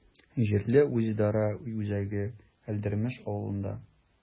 Җирле үзидарә үзәге Әлдермеш авылында.